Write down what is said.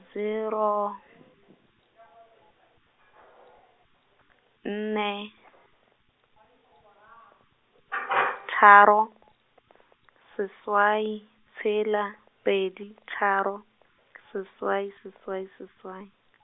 zero , nne , tharo , seswai, tshela, pedi, tharo, seswai seswai seswai.